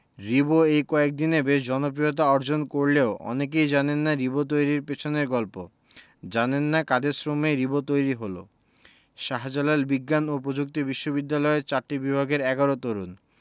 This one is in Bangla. রিবো এই কয়দিনে বেশ জনপ্রিয়তা অর্জন করলেও অনেকেই জানেন না রিবো তৈরির পেছনের গল্প জানেন না কাদের শ্রমে রিবো তৈরি হলো শাহজালাল বিজ্ঞান ও প্রযুক্তি বিশ্ববিদ্যালয়ের চারটি বিভাগের ১১ তরুণ